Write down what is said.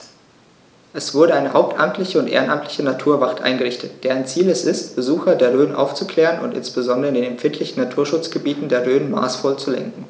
Es wurde eine hauptamtliche und ehrenamtliche Naturwacht eingerichtet, deren Ziel es ist, Besucher der Rhön aufzuklären und insbesondere in den empfindlichen Naturschutzgebieten der Rhön maßvoll zu lenken.